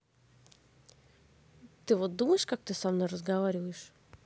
ты вот думаешь как ты со мной разговариваешь